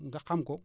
nga xam ko